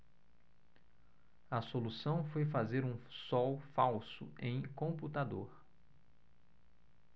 a solução foi fazer um sol falso em computador